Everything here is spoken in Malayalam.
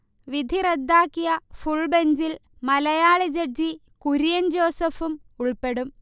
വിധി റദ്ദാക്കിയ ഫുൾബെഞ്ചിൽ മലയാളി ജഡ്ജി കുര്യൻ ജോസഫും ഉൾപ്പെടും